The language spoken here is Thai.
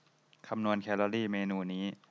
คำนวณแคลอรี่เมนูนี้